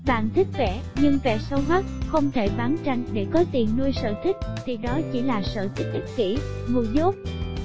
bạn thích vẽ nhưng vẽ xấu hoắc và không thể bán tranh để có tiền nuôi sở thích thì chỉ là sở thích ích kỷ ngu dốt